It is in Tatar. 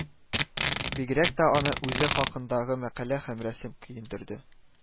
Бигрәк тә аны үзе хакындагы мәкалә һәм рәсем көендерде